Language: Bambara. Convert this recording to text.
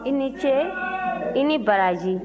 i ni ce i ni baraji